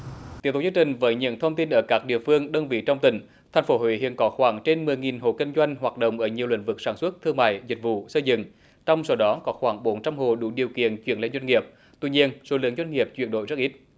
tiếp tục chương trình với những thông tin ở các địa phương đơn vị trong tỉnh thành phố huế hiện có khoảng trên mười nghìn hộ kinh doanh hoạt động ở nhiều lĩnh vực sản xuất thương mại dịch vụ xây dựng trong số đó có khoảng bốn trăm hộ đủ điều kiện chuyển lên doanh nghiệp tuy nhiên số lượng doanh nghiệp chuyển đổi rất ít